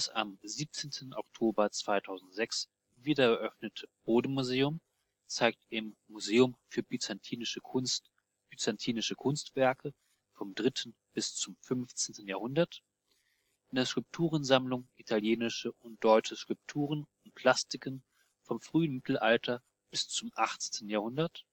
am 17. Oktober 2006 wiedereröffnete Bode-Museum zeigt im Museum für Byzantinische Kunst byzantinische Kunstwerke vom 3. bis zum 15. Jahrhundert, in der Skulpturensammlung italienische und deutsche Skulpturen und Plastiken vom frühen Mittelalter bis zum 18. Jahrhundert